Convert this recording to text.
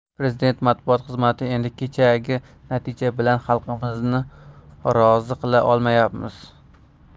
prezident matbuot xizmati endi kechagi natija bilan xalqimizni rozi qila olmaymiz